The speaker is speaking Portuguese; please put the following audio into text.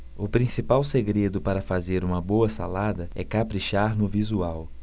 o principal segredo para fazer uma boa salada é caprichar no visual